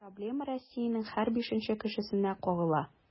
Проблема Россиянең һәр бишенче кешесенә кагыла.